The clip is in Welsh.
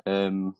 yym